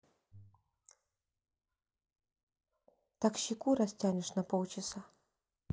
так щеку растянешь на полчаса